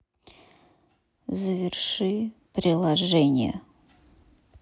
заверши приложение